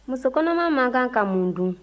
muso kɔnɔma man kan ka mun dun